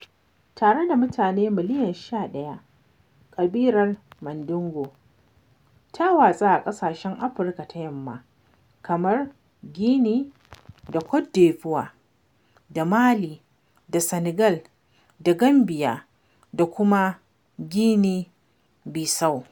Tare da mutane miliyan 11, ƙabilar Mandingo ta watsu a ƙasashen Afirka ta Yamma kamar Guinea da Cote d'Ivoire da Mali da Senegal da Gambia da kuma Guinea-Bissau.